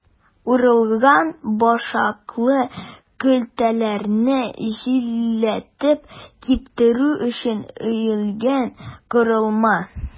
Урылган башаклы көлтәләрне җилләтеп киптерү өчен өелгән корылма.